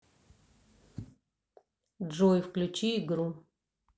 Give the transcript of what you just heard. джой включи игру